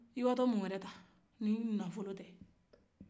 i taga tɔ mun wɛrɛ ta ni nafɔlo tɛ